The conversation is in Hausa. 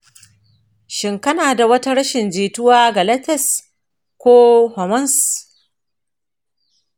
“shin kana da wata rashin jituwa ga latex ko hormones?”